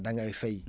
da ngay fay